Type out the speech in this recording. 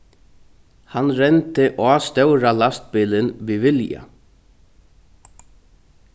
hann rendi á stóra lastbilin við vilja